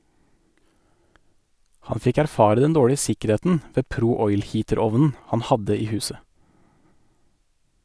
Han fikk erfare den dårlige sikkerheten ved Pro Oil Heater-ovnen han hadde i huset.